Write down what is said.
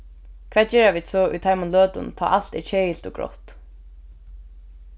hvat gera vit so í teimum løtum tá alt er keðiligt og grátt